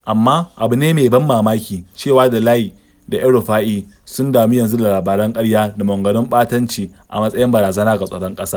Amma, abu ne mai ban mamaki cewa da Lai da El-Rufa'i sun damu yanzu da labaran ƙarya da maganganun ɓatanci a matsayin barazana ga tsaron ƙasa.